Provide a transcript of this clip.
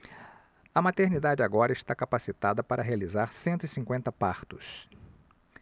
a maternidade agora está capacitada para realizar cento e cinquenta partos